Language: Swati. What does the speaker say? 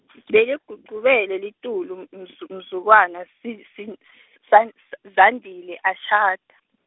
Beligucubele litulu, mz- mzu- mzukwana zin- zin- z- zan- z- Zandile ashada.